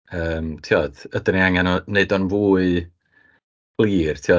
Yym tibod, ydan ni angen o... wneud o'n fwy clir tibod.